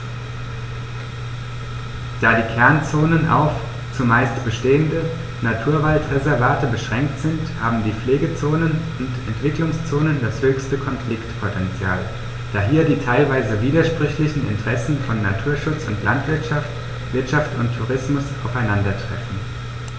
Da die Kernzonen auf – zumeist bestehende – Naturwaldreservate beschränkt sind, haben die Pflegezonen und Entwicklungszonen das höchste Konfliktpotential, da hier die teilweise widersprüchlichen Interessen von Naturschutz und Landwirtschaft, Wirtschaft und Tourismus aufeinandertreffen.